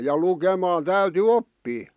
ja lukemaan täytyi oppia